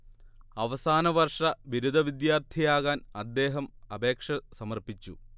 അവസാനവർഷ ബിരുദ വിദ്യാർത്ഥിയാകാൻ അദ്ദേഹം അപേക്ഷ സമർപ്പിച്ചു